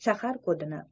shahar kodini